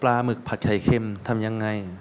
ปลาหมึกผัดไข่เค็มทำยังไง